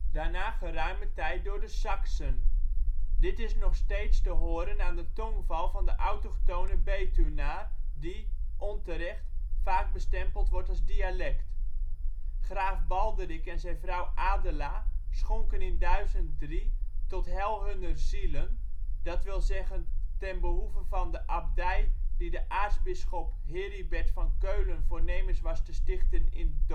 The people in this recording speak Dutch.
daarna geruime tijd door de Saksen. Dit is nog steeds te horen aan de tongval van de autochtone Betuwnaar, die, onterecht, vaak bestempeld wordt als dialect. Graaf Balderik en zijn vrouw Adela schonken in 1003 ' tot heil hunner zielen ', dat wil zeggen ten behoeve van de abdij die de aartsbisschop Heribert van Keulen voornemens was te stichten in